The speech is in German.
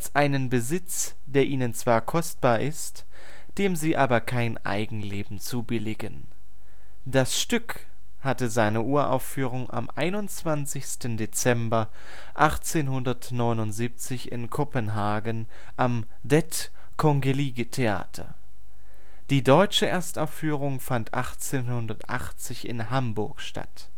einen Besitz, der ihnen zwar kostbar ist, dem sie aber kein Eigenleben zubilligen. Das Stück hatte seine Uraufführung am 21. Dezember 1879 in Kopenhagen am Det Kongelige Teater. Die deutsche Erstaufführung fand 1880 in Hamburg statt